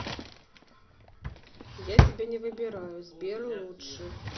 я тебя не выбираю сбер лучше